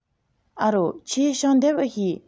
ཨ རོ ཁྱོས ཞིང འདེབས འུ ཤེས